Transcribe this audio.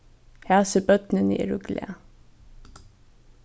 hasi børnini eru glað